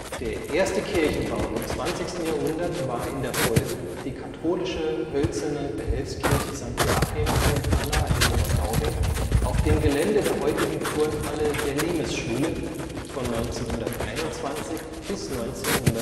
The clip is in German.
Der erste Kirchenbau im 20. Jahrhundert war in der Folge die katholische hölzerne Behelfskirche St. Joachim und Anna in Neuaubing, auf dem Gelände der heutigen Turnhalle der Limesschule, von 1921 bis 1956. Im